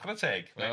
Chwara teg.